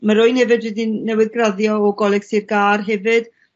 Ma' rywun efyd wedi newydd graddio o Goleg Sir Gâr hefyd.